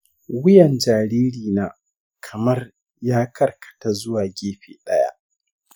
wuyan jaririna kamar ya karkata zuwa gefe ɗaya.